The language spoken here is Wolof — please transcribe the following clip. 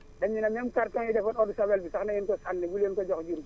dañ ñu ne même carton yi defoon eau de javel bi sax na ngeen ko sànni bu leen ko jox jur gi